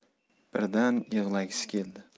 birdan yig'lagisi keldi